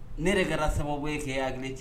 Ne yɛrɛ kɛra sababu kɛ hakili cɛ